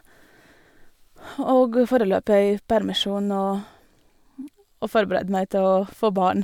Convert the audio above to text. Og foreløpig jeg er i permisjon og og forbereder meg til å få barn.